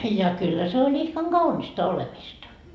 ja kyllä se oli ihkan kaunista olemista